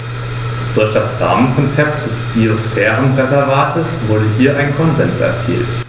Durch das Rahmenkonzept des Biosphärenreservates wurde hier ein Konsens erzielt.